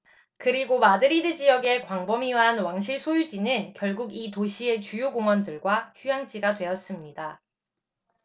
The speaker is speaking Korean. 그리고 마드리드 지역의 광범위한 왕실 소유지는 결국 이 도시의 주요 공원들과 휴양지가 되었습니다